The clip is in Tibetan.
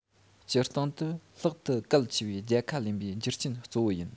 སྤྱིར བཏང དུ ལྷག ཏུ གལ ཆེ བའི རྒྱལ ཁ ལེན པའི རྒྱུ རྐྱེན གཙོ བོ ཡིན